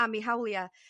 am eu hawlia'